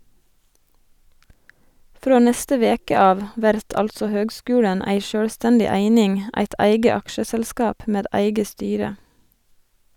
Frå neste veke av vert altså høgskulen ei sjølvstendig eining, eit eige aksjeselskap med eige styre.